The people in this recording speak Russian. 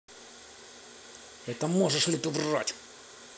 это можешь ли ты врать